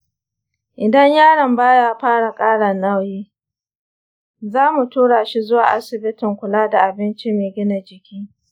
idan yaron ba ya fara ƙara nauyi, za mu tura shi zuwa asibitin kula da abinci mai gina jiki.